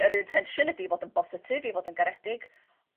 yr intention ydi fod yn bositif i fod yn garedig